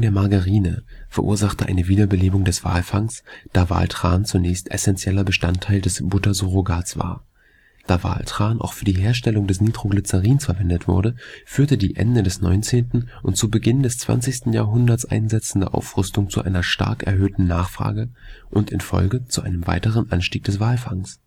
Margarine verursachte eine Wiederbelebung des Walfangs, da Waltran zunächst essenzieller Bestandteil des Butter-Surrogats war. Da Waltran auch für die Herstellung des Nitroglycerins verwendet wurde, führte die Ende des 19. und zu Beginn des 20. Jahrhunderts einsetzende Aufrüstung zu einer stark erhöhten Nachfrage und in Folge zu einem weiteren Anstieg des Walfangs